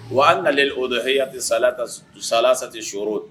Wa annalel odohiyati salatas salasatisorod